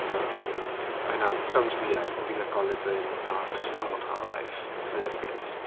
and got a degree. I know. Sounds weird. Ond fi'n licio living that Hannah Montanna life my lovelies.